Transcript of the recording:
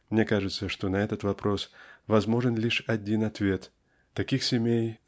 Мне кажется, что на этот вопрос возможен лишь один ответ таких семей